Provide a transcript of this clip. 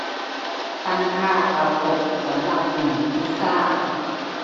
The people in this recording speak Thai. ตั้งค่าเตาอบสำหรับอุ่นพิซซ่า